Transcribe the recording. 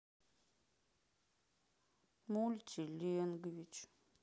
мульти ленгвич